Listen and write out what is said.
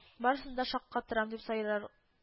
Барысын да шаккаттырам дип сайрар